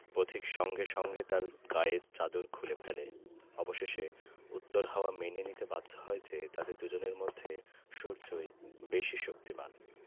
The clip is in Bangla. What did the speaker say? পথিক সঙ্গে সঙ্গে তার গায়ের চাদর খুলে ফেলে অবশেষে উত্তর হাওয়া মেনে নিতে বাধ্য হয় যে তাদের দুজনের মধ্যে সূর্যই বেশি শক্তিমান